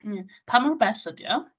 Mm. Pa mor bell ydi o?